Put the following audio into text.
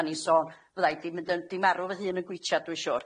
Da ni'n sôn, fydda di'n mynd yn di marw fy hun yn gwitsiad dwi'n siŵr.